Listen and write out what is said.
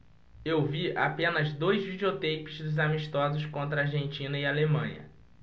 eu vi apenas dois videoteipes dos amistosos contra argentina e alemanha